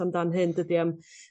amdan hyn dydi yym